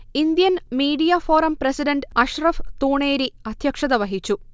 Indian media forum president Ashraf Thooneri അധ്യക്ഷത വഹിച്ചു